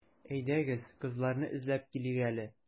Әйдәгез, кызларны эзләп килик әле.